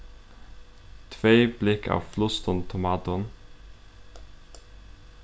tvey blikk av flustum tomatum